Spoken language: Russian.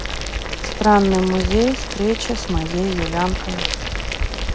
странный музей встреча с моей юлянкой